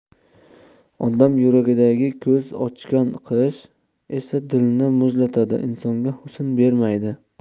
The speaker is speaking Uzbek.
odam yuragida ko'z ochgan qish esa dilni muzlatadi insonga husn bermaydi